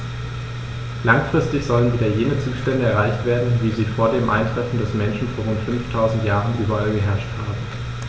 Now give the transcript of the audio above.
Langfristig sollen wieder jene Zustände erreicht werden, wie sie vor dem Eintreffen des Menschen vor rund 5000 Jahren überall geherrscht haben.